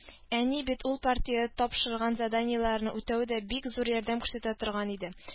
Әни бит ул партия тапшырган заданиеләрне үтәүдә бик зур ярдәм күрсәтә торган иде